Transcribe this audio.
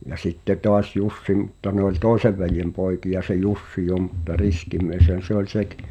ja sitten taas Jussi mutta ne oli toisen veljen poikia se Jussi jo mutta riski mieshän se oli sekin